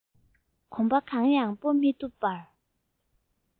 གོམ པ གང ཡང སྤོ མི ཐུབ པར